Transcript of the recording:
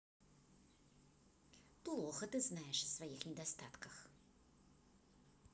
плохо ты знаешь о своих недостатках